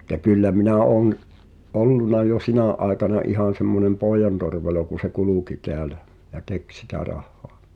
mutta kyllä minä olen ollut jo sinä aikana ihan semmoinen pojantorvelo kun se kulki täällä ja teki sitä rahaa